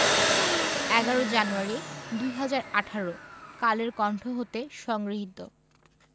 ১১ জানুয়ারি ২০১৮ কালের কন্ঠ হতে সংগৃহীত